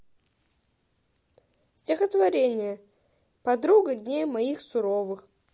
стихотворение подруга дней моих суровых